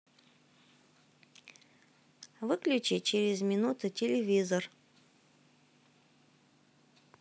выключи через минуту телевизор